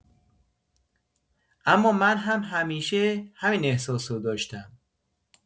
اما من هم همیشه همین احساس رو داشتم.